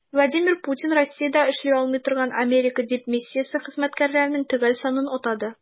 Владимир Путин Россиядә эшли алмый торган Америка дипмиссиясе хезмәткәрләренең төгәл санын атады.